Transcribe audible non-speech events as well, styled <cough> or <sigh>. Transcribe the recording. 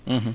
<hesitation> <hesitation>